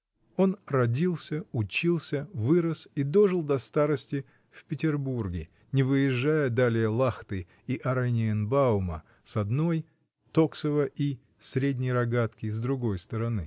Он родился, учился, вырос и дожил до старости в Петербурге, не выезжая далее Лахты и Ораниенбаума с одной, Токсова и Средней Рогатки с другой стороны.